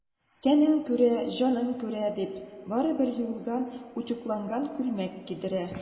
Тәнең күрә, җаның күрә,— дип, барыбер юылган, үтүкләнгән күлмәк кидерә.